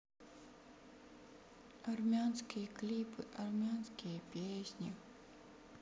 армянские клипы армянские песни